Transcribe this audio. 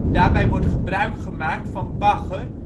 Daarbij wordt gebruikgemaakt van bagger